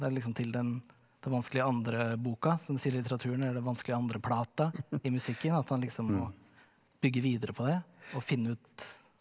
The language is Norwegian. det er liksom til den det vanskelige andreboka som de sier i litteraturen eller den vanskelige andreplata i musikken at han liksom må bygge videre på det og finne ut.